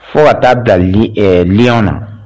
Fo ka ta'a bila li ɛɛ lion na